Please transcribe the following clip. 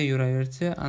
yuraver chi